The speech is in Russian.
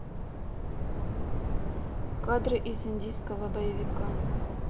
кадры из индийского боевика